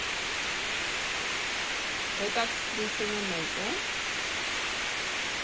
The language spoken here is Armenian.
Հետաքրքրությունը մե՞ծ է։